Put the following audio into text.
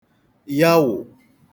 yawụ̀